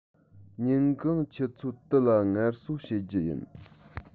ཉིན གུང ཆུ ཚོད དུ ལ ངལ གསོ བྱེད རྒྱུ ཡིན